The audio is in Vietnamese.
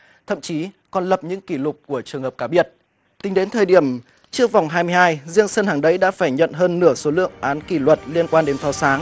thậm chí còn lập những kỷ lục của trường hợp cá biệt tính đến thời điểm trước vòng hai mươi hai riêng sân hàng đẫy đã phải nhận hơn nửa số lượng án kỷ luật liên quan đến pháo sáng